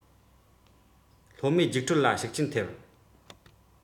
སློབ མའི རྒྱུགས སྤྲོད ལ ཤུགས རྐྱེན ཐེབས